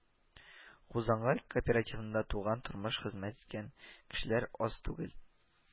Хузангай кооперативында туган, тормыш хезмәт иткән кешеләр аз түгел